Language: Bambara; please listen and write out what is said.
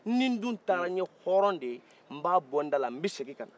ni n dun taara n ye hɔrɔn de ye n b'a bɔ n da la n bɛ segin ka na